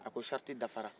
a ko sarati dafara